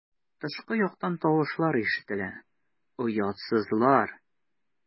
Тышкы яктан тавышлар ишетелә: "Оятсызлар!"